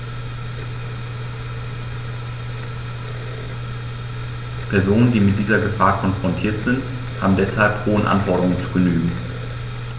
Personen, die mit dieser Gefahr konfrontiert sind, haben deshalb hohen Anforderungen zu genügen.